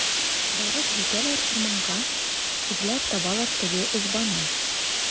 Барып җитәләр урманга, эзләп табалар теге ызбаны.